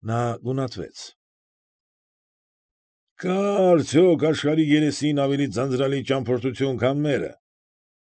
Նա գանգատվեց։ ֊ Կա՞ արդյոք աշխարհի երեսին ավելի ձանձրալի ճամփորդություն, քան մերը։